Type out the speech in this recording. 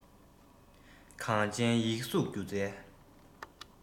གངས ཅན ཡིག གཟུགས སྒྱུ རྩལ